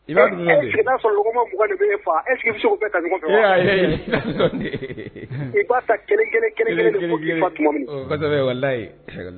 est ce que na sɔrɔ lɔgɔma 20 de be fa est ce que i bi se ko bɛɛ ta ɲɔgɔn fɛ wa ? I ba ta kelen kelen fo ki fa tuma min